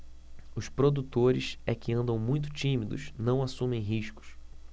os produtores é que andam muito tímidos não assumem riscos